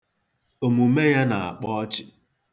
Omume ya na-akpa ọchị.